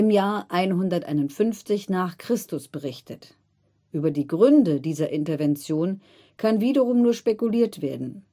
Jahr 151 n. Chr. berichtet. Über die Gründe dieser Intervention kann wiederum nur spekuliert werden